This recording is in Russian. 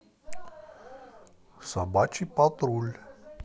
собачий патруль